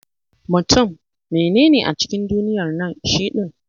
Mutum: "Mene ne a cikin duniyar nan shi ɗin?"